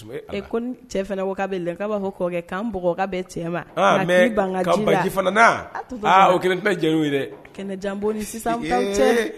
Ko cɛ bɛlɛn b'a kɔrɔkɛan bɛ cɛ ma sisan